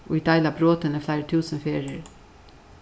ið deila brotini fleiri túsund ferðir